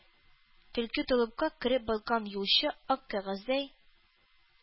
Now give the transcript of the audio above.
Төлке толыпка кереп баткан юлчы ак кәгазьдәй